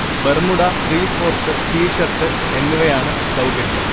Bermuda, three fourth, T shirt എന്നിവയാണ് സൗകര്യം